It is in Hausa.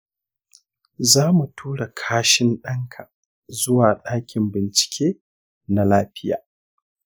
zamu tura kashin ɗanka zuwa ɗakin bincike na lafiya